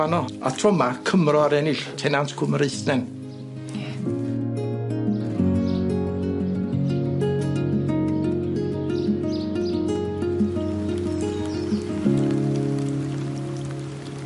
fan 'no, a'r tro 'ma Cymro ar ennill tenant Cwm Reithnen. Ie.